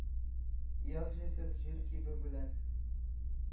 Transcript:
Яз җитеп, җир кибү белән,